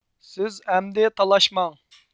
سىز ئەمدى تالاشماڭ